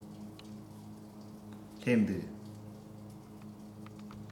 སླེབས འདུག